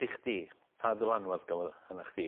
...i chdi pa ddylanwad gafodd o anach chdi...